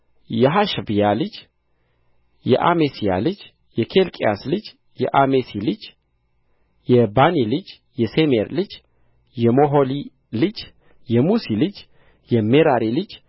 የሐሸብያ ልጅ የአሜስያስ ልጅ የኬልቅያስ ልጅ የአማሲ ልጅ የባኒ ልጅ የሴሜር ልጅ የሞሖሊ ልጅ የሙሲ ልጅ የሜራሪ ልጅ